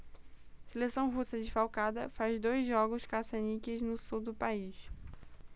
seleção russa desfalcada faz dois jogos caça-níqueis no sul do país